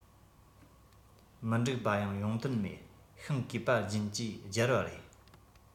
མི འགྲིག པ ཡང ཡོང དོན མེད ཤིང གས པ སྤྱིན གྱིས སྦྱར བ ཡིན